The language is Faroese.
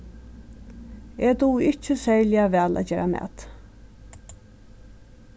eg dugi ikki serliga væl at gera mat